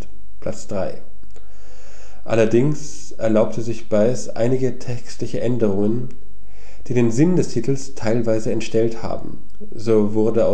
3). Allerdings erlaubte sich Baez einige textliche Änderungen, die den Sinn des Titels teilweise entstellt haben, so wurde